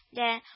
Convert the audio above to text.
Дә